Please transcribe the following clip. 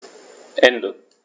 Ende.